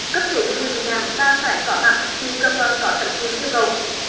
cấp cứu người bị nạn và phải có mặt khi cơ quan có thẩm quyền yêu cầu